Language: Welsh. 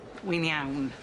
Wi'n iawn.